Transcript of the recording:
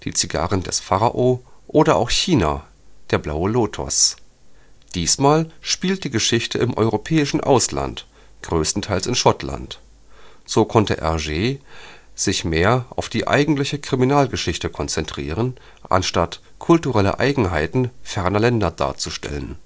Zigarren des Pharao) oder auch China („ Der Blaue Lotos “). Diesmal spielt die Geschichte im europäischen Ausland – größtenteils in Schottland. So konnte Hergé sich mehr auf die eigentliche Kriminalgeschichte konzentrieren, anstatt kulturelle Eigenheiten ferner Länder darzustellen